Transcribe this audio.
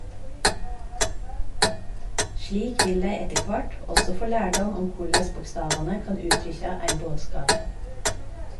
Slik vil dei etter kvart også få lærdom om korleis bokstavane kan uttrykkja ein bodskap.